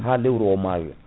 ha lewru o mayoya